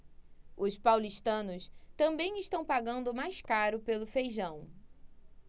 os paulistanos também estão pagando mais caro pelo feijão